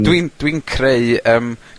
...dwi'n dwi'n creu yym